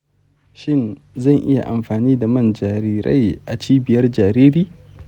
shin zan iya amfani da man jarirai a cibiyar jariri?